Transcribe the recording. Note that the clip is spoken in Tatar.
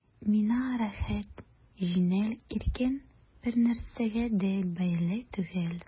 Миңа рәхәт, җиңел, иркен, бернәрсәгә дә бәйле түгел...